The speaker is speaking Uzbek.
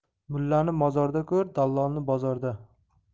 mullani mozorda ko'r dallolni bozorda